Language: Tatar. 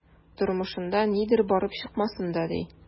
Тормышында нидер барып чыкмасын да, ди...